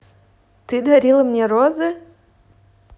ты дарила мне розы